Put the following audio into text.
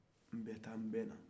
n bɛ taa n bɛ na